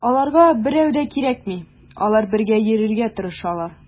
Аларга берәү дә керми, алар бергә йөрергә тырышалар.